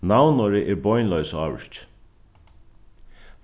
navnorðið er beinleiðis ávirki